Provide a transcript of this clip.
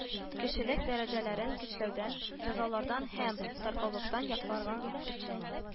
Кешелек дәрәҗәләрен көчләүдән, җәзалаулардан һәм таркаулыктан якларган өчен